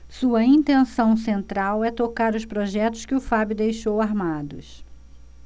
sua intenção central é tocar os projetos que o fábio deixou armados